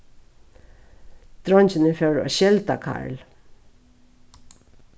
dreingirnir fóru at skelda karl